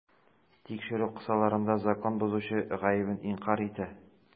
Тикшерү кысаларында закон бозучы гаебен инкарь итә.